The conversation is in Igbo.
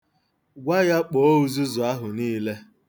Gwaa ya kpoo uzuzu ahụ niile.